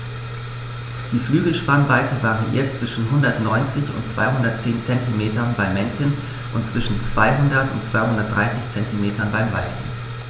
Die Flügelspannweite variiert zwischen 190 und 210 cm beim Männchen und zwischen 200 und 230 cm beim Weibchen.